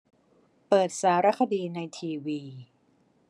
เปิดสารคดีในทีวี